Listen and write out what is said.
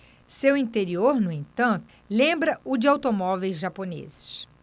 seu interior no entanto lembra o de automóveis japoneses